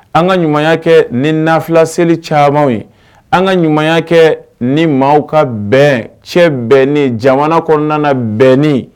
An ka ɲuman kɛ ni naf seli caman ye an ka ɲuman kɛ ni maa ka bɛn cɛ bɛ ni jamana kɔnɔna kɔnɔna bɛn ni